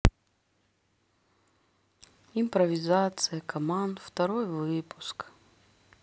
импровизация команд второй выпуск